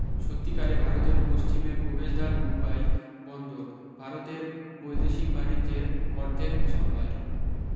সত্যিকারে ভারতের পশ্চিম এর প্রবেশদ্বার মুম্বাই বন্দর ভারতের বৈদেশিক বানিজ্যের অর্ধেক সামলায়